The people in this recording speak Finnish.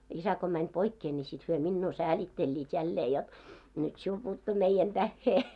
isä kun meni poikkeen niin sitten he minua säälittelivät jälleen jotta nyt sinulle puuttui meidän tähden